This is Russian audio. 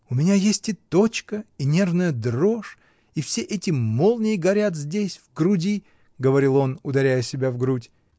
У меня есть и точка, и нервная дрожь — и все эти молнии горят здесь, в груди, — говорил он, ударяя себя в грудь.